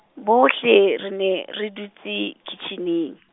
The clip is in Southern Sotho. bohle, re ne, re dutse kitjhining.